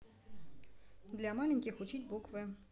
для маленьких учить буквы